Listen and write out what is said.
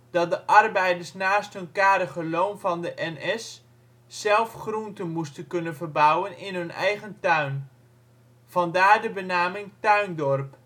dat de arbeiders naast hun karige loon van NS, zelf groenten moesten kunnen verbouwen in hun eigen tuin. Vandaar de benaming ' Tuindorp